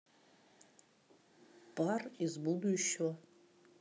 пар из будущего